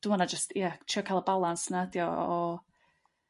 dyw 'ona jyst, ie trio ca'l y balans 'na 'dio o o